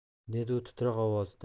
dedi u titroq ovozda